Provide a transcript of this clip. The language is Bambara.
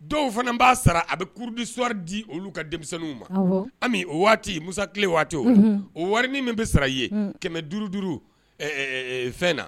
Dɔw fana b'a sara a bɛ cours du soir di olu ka denmisɛnninw ma, unhun, Ami o waati Musatile waati o warinin min bɛ sara i ye kɛmɛ duuru duuru ɛɛ fɛn na